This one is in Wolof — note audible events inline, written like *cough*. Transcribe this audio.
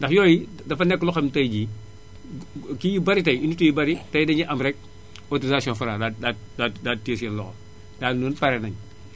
ndax yooyu dafa nekk loo xam ne tay jii kii yu bari tay unité yu bari *noise* tey dañuy am rekk autorisation Fra daal di daal di daal di téeye seen loxo daal di ne ñun pare nañ